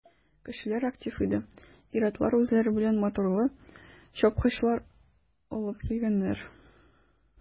Кешеләр актив иде, ир-атлар үзләре белән моторлы чапкычлар алыпн килгәннәр.